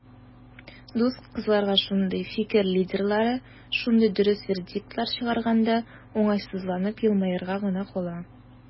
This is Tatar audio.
Дус кызларга шундый "фикер лидерлары" шундый дөрес вердиктлар чыгарганда, уңайсызланып елмаерга гына кала.